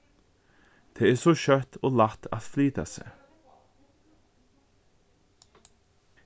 tað er so skjótt og lætt at flyta seg